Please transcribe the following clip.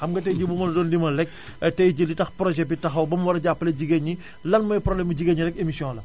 xam nga tay jii bu ma la doon limal rekk tay jii li tax projet bi taxaw ba mu war a jàppale jigéen ñi lan mooy problème mu jigéen ñi rekk émission la